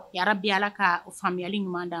Bi ala ka faamuyayali ɲuman dan